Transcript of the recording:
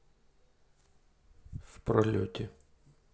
в пролете